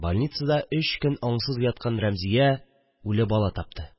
Больницада өч көн аңсыз яткан Рәмзия үле бала тапты